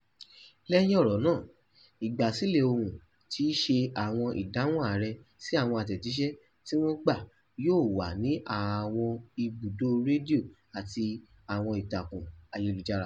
Lẹ́yìn ọ̀rọ̀ náà, ìgbà sílẹ̀ ohùn tí í ṣe àwọn ìdáhùn ààrẹ sí àwọn àtẹ̀jíṣẹ́ tí wọn gbà yóò wà ní àwọn ibùdó rédíò àti àwọn ìtàkùn ayélujára.